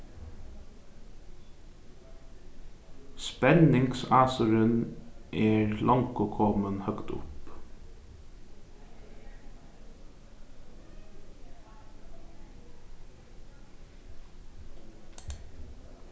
spenningsásurin er longu komin høgt upp